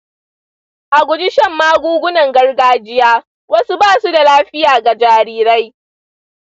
a guji shan magungunan gargajiya; wasu ba su da lafiya ga jarirai.